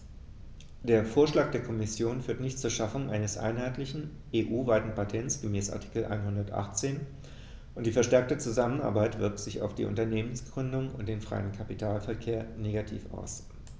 Der Vorschlag der Kommission führt nicht zur Schaffung eines einheitlichen, EU-weiten Patents gemäß Artikel 118, und die verstärkte Zusammenarbeit wirkt sich auf die Unternehmensgründung und den freien Kapitalverkehr negativ aus.